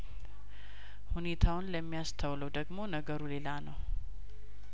ሁኔታውን ለሚያስ ተውለው ደግሞ ነገሩ ሌላ ነው